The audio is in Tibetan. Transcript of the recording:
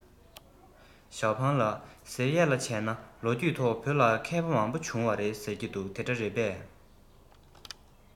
ཞའོ ཧྥུང ལགས ཟེར ཡས ལ བྱས ན ལོ རྒྱུས ཐོག བོད ལ མཁས པ མང པོ བྱུང བ རེད ཟེར གྱིས དེ འདྲ རེད པས